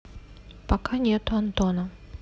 пока нету антона